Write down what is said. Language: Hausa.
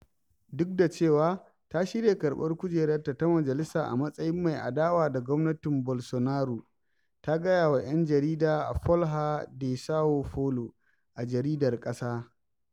Duk da cewa ta shirya karɓar kujerarta ta majalisa a matsayin mai adawa da gwamanatin Bolsonaro, ta gayawa 'yan jarida a Folha de Sao Paulo, a jaridar ƙasa: